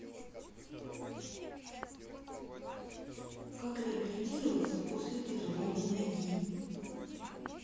как реабилитироваться после перелома ноги